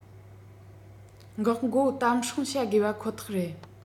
འགག སྒོ དམ སྲུང བྱ དགོས ཁོ ཐག རེད